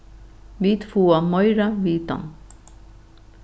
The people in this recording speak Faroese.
vit fáa meira vitan